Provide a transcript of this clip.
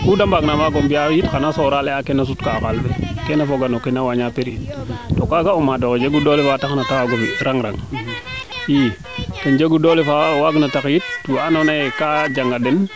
kude mbaag na mbaago mbiya yoo xana soorale a keena sutkaa o xaalo le keene foga no kee na waña prix ne to kaaga o maad o jegu doole fa tax na te waago fi rang rang i ten jegu doole faa waag na taxit we ando naye kaa janga den